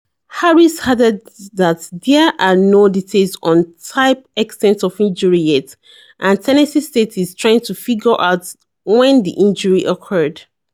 Harris added that there are "no details on type/extent of injury yet" and Tennessee State is trying to figure out when the injury occurred.